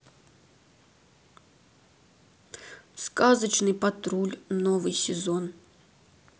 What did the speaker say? сказочный патруль новый сезон